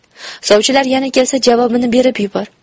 sovchilar yana kelsa javobini berib yubor